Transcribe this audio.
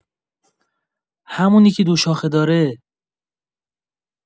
همونی که دو شاخه داره!